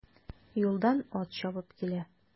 Юлдан ат чабып килә.